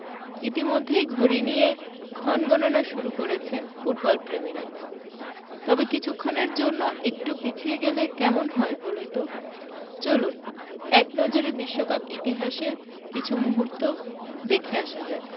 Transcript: ইতিমধ্যেই ঘড়ি নিয়ে ক্ষণগণনা শুরু করেছেন ফুটবলপ্রেমীরা তবে কিছুক্ষণের জন্য একটু পিছিয়ে গেলে কেমন হয় বলুন তো চলুন এক নজরে বিশ্বকাপ ইতিহাসের কিছু মুহূর্ত দেখে আসা যাক